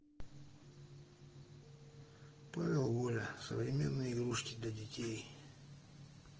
павел воля современные игрушки для детей